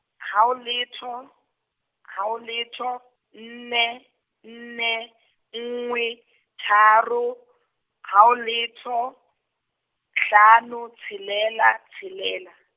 hao letho, hao letho, nne nne nngwe tharo, hao letho, hlano tshelela tshelela.